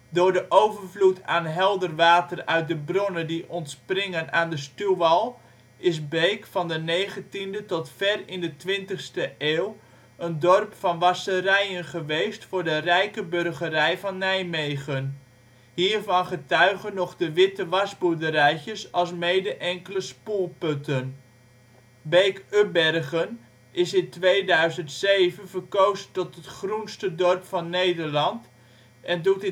Door de overvloed aan helder water uit de bronnen die ontspringen aan de stuwwal is Beek van de 19e tot ver in de 20e eeuw een dorp van wasserijen geweest voor de rijke burgerij van Nijmegen. Hiervan getuigen nog de witte wasboerderijtjes alsmede enkele spoelputten. Beek-Ubbergen is in 2007 verkozen tot groenste dorp van Nederland en doet